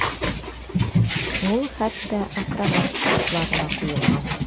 Ул хәтта акробат трюкларына куелган.